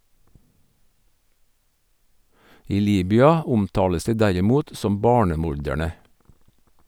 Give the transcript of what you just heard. I Libya omtales de derimot som «barnemorderne».